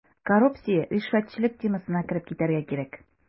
Коррупция, ришвәтчелек темасына кереп китәргә кирәк.